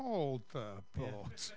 Hold the boat!... ia .